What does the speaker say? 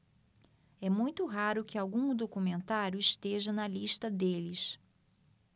é muito raro que algum documentário esteja na lista deles